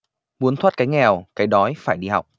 muốn thoát cái nghèo cái đói phải đi học